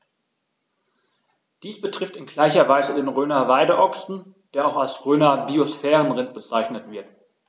Dies betrifft in gleicher Weise den Rhöner Weideochsen, der auch als Rhöner Biosphärenrind bezeichnet wird.